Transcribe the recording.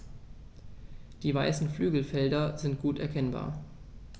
Die weißen Flügelfelder sind gut erkennbar.